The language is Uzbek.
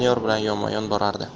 yonma yon borardi